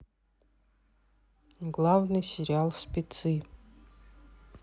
главный сериал спецы